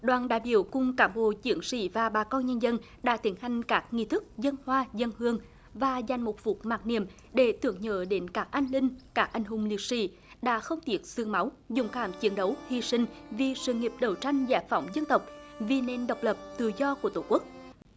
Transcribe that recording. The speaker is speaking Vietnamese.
đoàn đại biểu cùng cán bộ chiến sĩ và bà con nhân dân đã tiến hành các nghi thức dâng hoa dâng hương và dành một phút mặc niệm để tưởng nhớ đến các anh linh các anh hùng liệt sỹ đã không tiếc xương máu dũng cảm chiến đấu hy sinh vì sự nghiệp đấu tranh giải phóng dân tộc vì nền độc lập tự do của tổ quốc